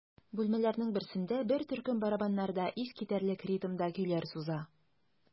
Бүлмәләрнең берсендә бер төркем барабаннарда искитәрлек ритмда көйләр суза.